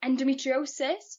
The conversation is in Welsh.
endometriosis